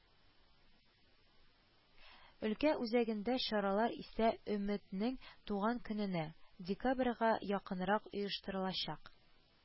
Өлкә үзәгендә чаралар исә “Өмет”нең туган көненә – декабрьгә якынрак оештырылачак